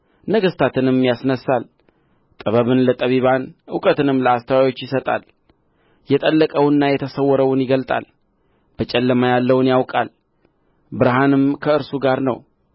ነገሥታትንም ያስነሣል ጥበብን ለጠቢባን እውቀትንም ለአስተዋዮች ይሰጣል የጠለቀውንና የተሠወረውን ይገልጣል በጨለማ ያለውን ያውቃል ብርሃንም ከእርሱ ጋር ነው